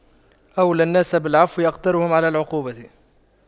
أولى الناس بالعفو أقدرهم على العقوبة